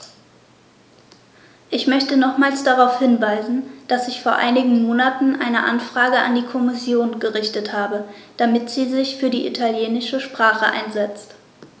Ich möchte nochmals darauf hinweisen, dass ich vor einigen Monaten eine Anfrage an die Kommission gerichtet habe, damit sie sich für die italienische Sprache einsetzt.